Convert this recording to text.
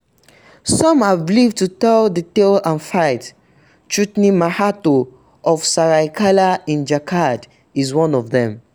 Some have lived to tell the tale and fight. Chutni Mahato of Saraikela in Jharkhand is one of them.